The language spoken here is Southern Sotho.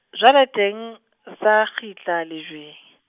jwale teng, sa kgitla lejweng.